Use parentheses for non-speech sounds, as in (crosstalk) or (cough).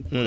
(hesitation) (hesitation)